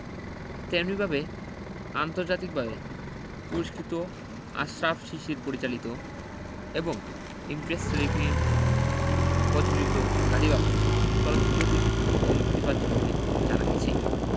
তেমনিভাবে আন্তর্জাতিকভাবে পুরস্কিত আশরাফ শিশির পরিচালিত এবং ইমপ্রেস টেলিফিল্ম পযোজিত গাড়িওয়ালা চলচ্চিত্রটিরও মুক্তি পাচ্ছে বলে জানা গেছে